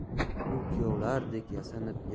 u kuyovlardek yasanib